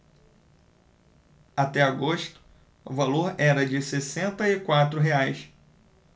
até agosto o valor era de sessenta e quatro reais